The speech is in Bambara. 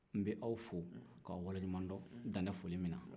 n b'aw fo k'aw waliɲumandɔn dan tɛ foli min na